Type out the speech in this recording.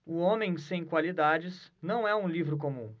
o homem sem qualidades não é um livro comum